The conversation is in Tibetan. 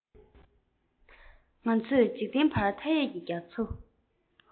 ང ཚོས ཇི སྲིད བར མཐའ ཡས ཀྱི རྒྱ མཚོ